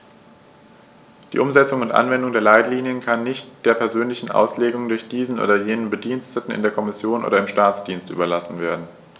Die Umsetzung und Anwendung der Leitlinien kann nicht der persönlichen Auslegung durch diesen oder jenen Bediensteten in der Kommission oder im Staatsdienst überlassen werden.